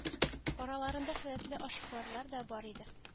Араларында сәләтле эшкуарлар да бар иде